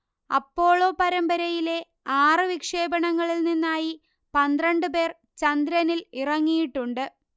Apollo പരമ്പരയിലെ ആറ് വിക്ഷേപണങ്ങളിൽ നിന്നായി പന്ത്രണ്ട് പേർ ചന്ദ്രനിൽ ഇറങ്ങിയിട്ടുണ്ട്